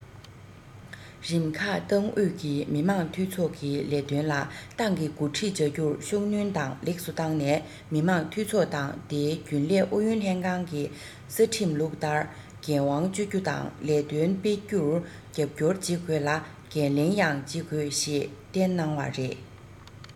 རིམ ཁག ཏང ཨུད ཀྱིས མི དམངས འཐུས ཚོགས ཀྱི ལས དོན ལ ཏང གིས འགོ ཁྲིད བྱ རྒྱུར ཤུགས སྣོན དང ལེགས སུ བཏང ནས མི དམངས འཐུས ཚོགས དང དེའི རྒྱུན ལས ཨུ ཡོན ལྷན ཁང གིས ཁྲིམས ལུགས ལྟར འགན དབང སྤྱོད རྒྱུ དང ལས དོན སྤེལ རྒྱུར རྒྱབ སྐྱོར བྱེད དགོས ལ འགན ལེན ཡང བྱེད དགོས ཞེས བསྟན གནང བ རེད